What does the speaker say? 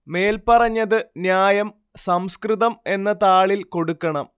മേൽ പറഞ്ഞത് ന്യായം സംസ്കൃതം എന്ന താളിൽ കൊടുക്കണം